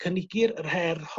cynigir yr her